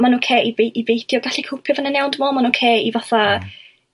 a ma'n oce i bei-i beidio gallu cowpio 'fo hyna'n iawn dwi'n me'l ma'n oce i fatha' i